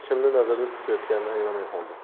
kimni nazarda tutayotganini anglamay qoldi